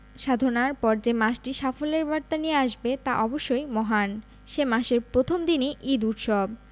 সাধনার পর যে মাসটি সাফল্যের বার্তা নিয়ে আসবে তা অবশ্যই মহান সে মাসের প্রথম দিনই ঈদ উৎসব